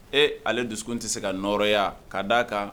E ale dusu in tɛ se ka nɔɔrɔya ka d' a kan